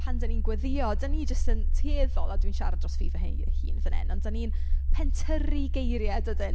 Pan dan ni'n gweddio dan ni jyst yn tueddol... a dwi'n siarad dros fi fy hei- hun fan hyn, ond dan ni'n pentyrru geiriau dydyn.